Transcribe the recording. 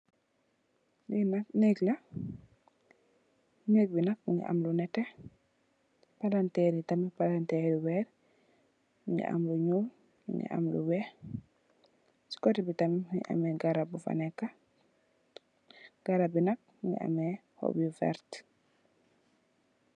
Lii nak nehgg la, nehgg bii nak mungy am lu nehteh, palanterre yii tamit palanterre wehrre, mungy am lu njull, mungy am lu wekh, cii coteh bii tamit mungy ameh garab bufa neka, garab bii nak mungy ameh hohb yu vert.